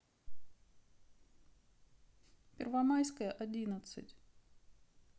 первомайская одиннадцать